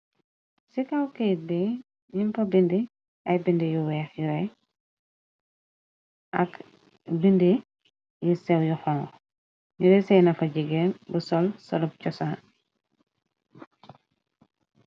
ci kawkayt bi nimpa bindi ay bind yu weex yure ak bindi yi sew yu xon ñure seenafa jigeen bu sol solub cosan